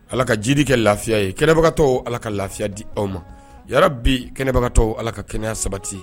Ala ka jiri kɛ lafiya ye kɛnɛbagatɔ ala ka lafiya di aw ma ya bi kɛnɛbagatɔ ala ka kɛnɛyaya sabati